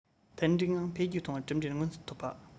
མཐུན འགྲིག ངང འཕེལ རྒྱས གཏོང བར གྲུབ འབྲས མངོན གསལ ཐོབ པ